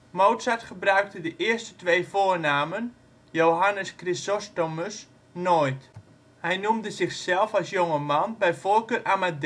Mozart gebruikte de eerste twee voornamen (Johannes Chrysostomus) nooit. Hij noemde zichzelf als jonge man bij voorkeur Amadè